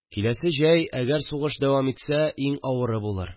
Киләсе җәй, әгәр сугыш давам итсә, иң авыры булыр